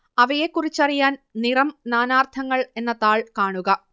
അവയെക്കുറിച്ചറിയാൻ നിറം നാനാർത്ഥങ്ങൾ എന്ന താൾ കാണുക